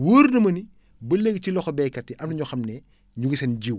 wóor na ma ni ba léegi si loxo béykat yi am na ñoo xam ne ñu ngi seen jiw